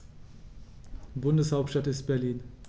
Bundeshauptstadt ist Berlin.